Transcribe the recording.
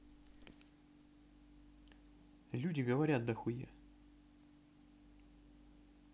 люди говорят дохуя